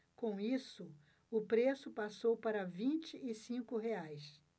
com isso o preço passou para vinte e cinco reais